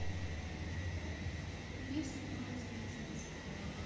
песни про спецназ